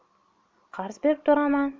qarzga berib turaman